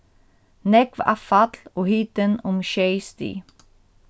nógv avfall og hitin um sjey stig